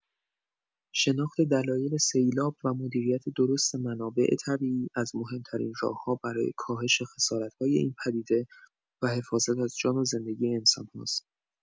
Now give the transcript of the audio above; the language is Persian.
شناخت دلایل سیلاب و مدیریت درست منابع طبیعی، از مهم‌ترین راه‌ها برای کاهش خسارت‌های این پدیده و حفاظت از جان و زندگی انسان‌هاست.